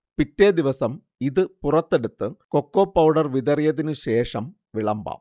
പിറ്റേദിവസം ഇത് പുറത്തെടുത്ത് കൊക്കോ പൌഡർ വിതറിയതിനു ശേഷം വിളമ്പാം